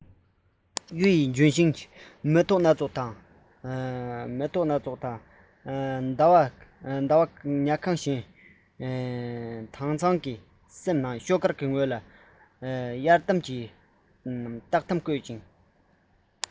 གཡུ ཡི ལྗོན ཤིང གི མགོ ལྕོག མེ ཏོག སྣ ཚོགས ཀྱི འཛུམ ཞལ ཁྲོད གཟུགས རིས གཉིས གཟུགས རིས གཅིག སེམས པ གཉིས སེམས པ གཅིག ཏུ འདྲེས ཉ གང བའི ཟླ བར བལྟས མ བགྲོས གཅིག མཐུན དྭངས ཤིང གཙང བའི ནང སེམས ཤོག དཀར ངོས ལ གཡར དམ གྱི རྟགས ཐམ བཀོད ཅིང